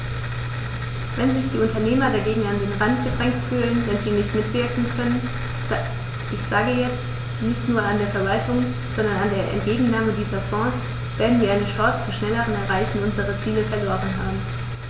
Wenn sich die Unternehmer dagegen an den Rand gedrängt fühlen, wenn sie nicht mitwirken können ich sage jetzt, nicht nur an der Verwaltung, sondern an der Entgegennahme dieser Fonds , werden wir eine Chance zur schnelleren Erreichung unserer Ziele verloren haben.